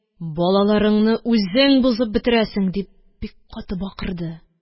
– балаларыңны үзең бозып бетерәсең, – дип, бик каты бакырды